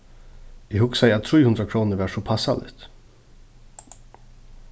eg hugsaði at trý hundrað krónur var so passaligt